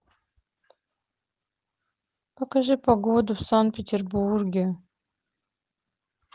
покажи погоду в санкт петербурге